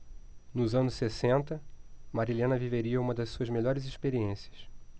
nos anos sessenta marilena viveria uma de suas melhores experiências